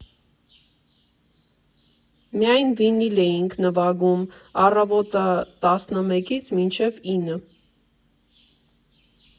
Միայն վինիլ էինք նվագում, առավոտը տասնմեկից մինչև ինը։